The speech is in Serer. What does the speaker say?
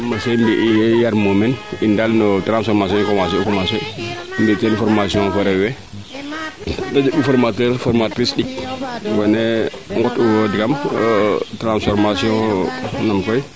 i mosee mbi yam mumeen in daal no transformation i commencer commencer mbi ten formation fo rew we de ndee'u formateur formatrice ɗik wene ŋot u tiyanam tranformation nam koy